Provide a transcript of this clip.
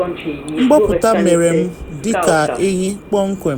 Mgbapụta mere m dị ka ehi kpọmkwem.